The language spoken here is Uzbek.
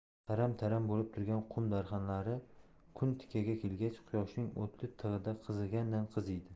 taram taram bo'lib turgan qum barxanlari kun tikkaga kelgach quyoshning o'tli tig'ida qizigandan qiziydi